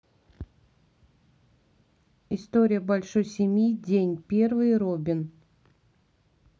история большой семьи день первый робин